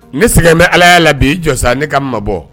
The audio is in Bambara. Ne sɛgɛn bɛ ala y'a la bi jɔsa ne ka mabɔbɔ